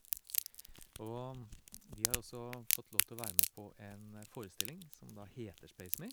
Og de har også fått lov til å være med på en forestilling som da heter Space Me.